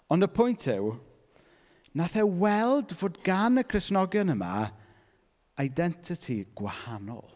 Ond y pwynt yw wnaeth e weld fod gan y Cristnogion yma identity gwahanol.